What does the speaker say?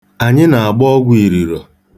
Anyị na-agba ọgwụ iruro.